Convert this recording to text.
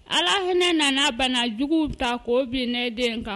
Alah hinɛ nana bana juguw ta k'o bin ne den kan